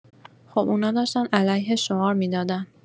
خب اونا داشتن علیه‌اش شعار می‌دادن